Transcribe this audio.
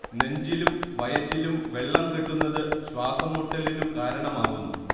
നെഞ്ചിലും വയറ്റിലും വെള്ളം കെട്ടുന്നത് ശ്വാസം മുട്ടലിനു കാരണമാവുന്നു